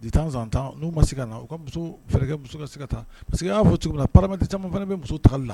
De temps en temps nu ma se ka na u ka muso , fɛrɛ kɛ ka se ka taa . Parceque an ya fɔ cogo min na paramètre caman fana bɛ muso ta cogo la.